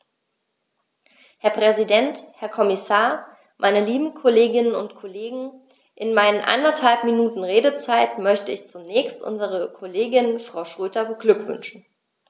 Herr Präsident, Herr Kommissar, meine lieben Kolleginnen und Kollegen, in meinen anderthalb Minuten Redezeit möchte ich zunächst unsere Kollegin Frau Schroedter beglückwünschen.